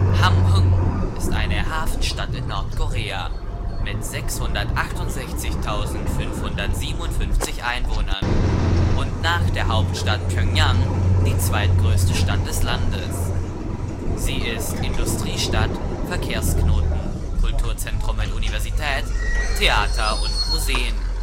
Hamhŭng ist eine Hafenstadt in Nordkorea mit 668.557 Einwohnern und nach der Hauptstadt Pjöngjang die zweitgrößte Stadt des Landes. Sie ist Industriestadt, Verkehrsknoten, Kulturzentrum mit Universität, Theater und Museen